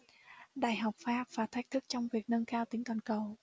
đại học pháp và thách thức trong việc nâng cao tính toàn cầu